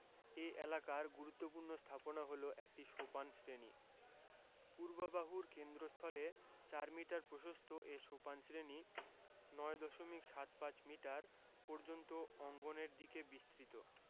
এ এলাকার গুরুত্বপূর্ণ স্থাপনা হলো একটি সোপান শ্রেণি পূর্ব বাহুর কেন্দ্রস্থলে ৪ মিটার প্রশস্ত এ সোপান শ্রেণি ৯ দশমিক সাত পাঁচ মিটার পর্যন্ত অঙ্গনের দিকে বিস্তৃত